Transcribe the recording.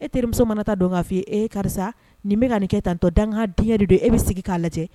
E terimuso mana taa don k'a fɔ i ye ee karisa nin bɛ ka nin kɛ tan nɔ dangadenya de don e bɛ sigi k'a lajɛ